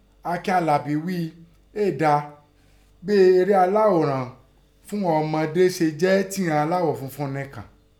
Akin Àlàbí ghí éè dáa bí eré aláòrán fúnghọn ọmọdé se jẹ́ tí ìghon aláọ̀ fifun nìkàn.